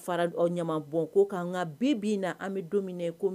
Fara ɲamanbɔnko kan nka bi bi in na an bɛ don min na ko